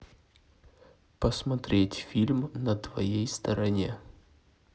посмотреть фильм на твоей стороне